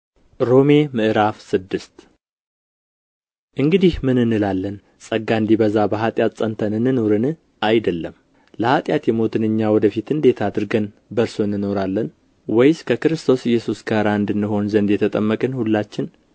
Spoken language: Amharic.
ሮሜ ምዕራፍ ስድስት እንግዲህ ምን እንላለን ጸጋ እንዲበዛ በኃጢአት ጸንተን እንኑርን አይደለም ለኃጢአት የሞትን እኛ ወደ ፊት እንዴት አድርገን በእርሱ እንኖራለን ወይስ ከክርስቶስ ኢየሱስ ጋር አንድ እንሆን ዘንድ የተጠመቅን ሁላችን